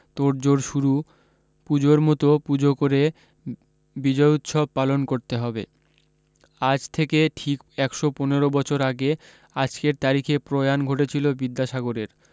তোড়জোড় শুরু পূজোর মতো পূজো করে বিজয়ুতসব পালন করতে হবে আজ থেকে ঠিক একশো পনেরো বছর আগে আজকের তারিখে প্রয়াণ ঘটেছিল বিদ্যাসাগরের